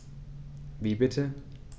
Wie bitte?